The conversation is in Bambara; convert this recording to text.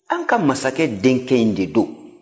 an ka masakɛ denkɛ in de don